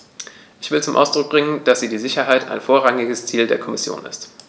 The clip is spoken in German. Ich will zum Ausdruck bringen, dass die Sicherheit ein vorrangiges Ziel der Kommission ist.